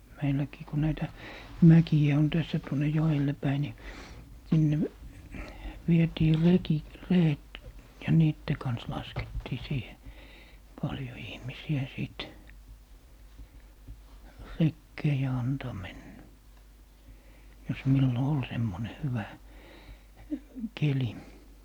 meilläkin kun näitä mäkiä on tässä tuonne joelle päin niin sinne vietiin reki reet ja niiden kanssa laskettiin siihen paljon ihmisiä sitten rekeen ja antoi mennä jos milloin oli semmoinen hyvä keli